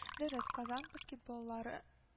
Дөрес, Казан баскетболлары